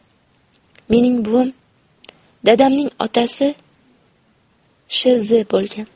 mening buvam dadamning otasi shz bo'lgan